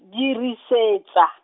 dirisetsa.